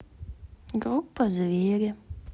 группа звери